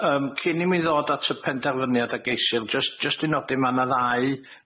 Ia yym cyn i mi ddod at y penderfyniad a geishir jyst jyst i nodi ma' 'na ddau